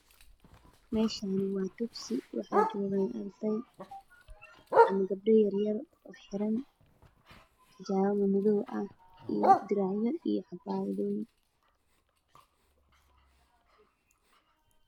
Waa masaajid waxaa fadhiya gabdho waxay wataan xijaabo dhulka waa munthulaale cadaan